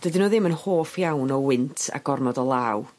Dydyn n'w ddim yn hoff iawn o wynt a gormod o law.